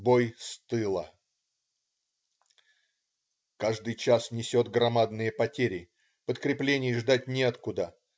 Бой с тыла, Каждый час несет громадные потери. Подкреплений ждать неоткуда.